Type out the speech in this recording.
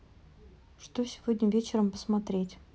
что сегодня вечером посмотреть